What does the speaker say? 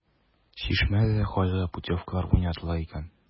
“чишмә”дә хаҗга путевкалар уйнатыла икән.